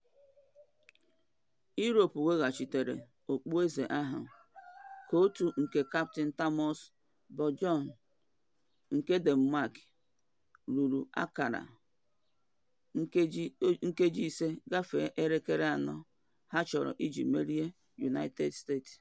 Europe weghachitere okpu eze ahụ ka otu nke kaptịn Thomas Bjorn nke Denmark ruru akara 14.5 ha chọrọ iji merie United States.